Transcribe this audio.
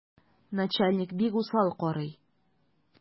Начальник бик усал карый.